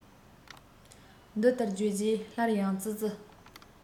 འདི ལྟར བརྗོད རྗེས སླར ཡང ཙི ཙི